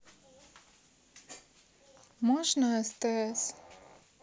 можно стс